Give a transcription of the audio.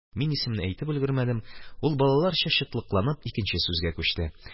Мин исемемне әйтеп өлгермәдем, ул, балаларча чытлыкланып, икенче сүзгә күчте: